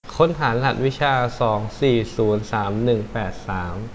ค้นหารหัสวิชาสองสี่ศูนย์สามหนึ่งแปดสาม